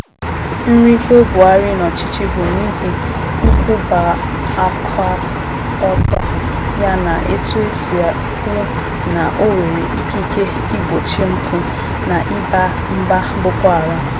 Nrigo Buhari n'ọchịchị bụ n'ihi nkwụbaakaọtọ ya na etu e si hụ na o nwere ikike igbochi mpụ na ịgba mgba Boko Haram.